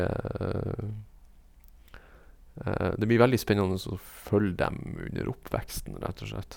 Det blir veldig spennende å følge dem under oppveksten, rett og slett.